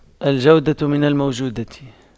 الجودة من الموجودة